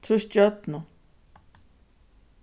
trýst stjørnu